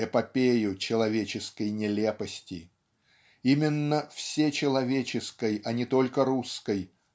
эпопею человеческой нелепости. Именно всечеловеческой а не только русской